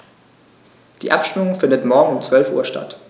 Die Abstimmung findet morgen um 12.00 Uhr statt.